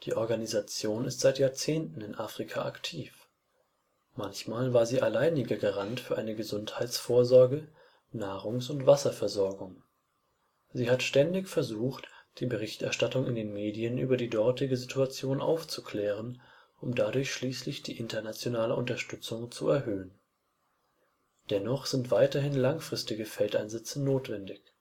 Organisation ist seit Jahrzehnten in Afrika aktiv. Manchmal war sie alleiniger Garant für eine Gesundheitsvorsorge, Nahrungs - und Wasserversorgung. Sie hat ständig versucht, die Berichterstattung in den Medien über die dortige Situation aufzuklären, um dadurch schließlich die internationale Unterstützung zu erhöhen. Dennoch sind weiterhin langfristige Feldeinsätze notwendig. Die